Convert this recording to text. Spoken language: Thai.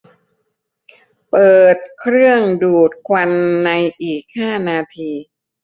เปิดเครื่องดูดควันในอีกห้านาที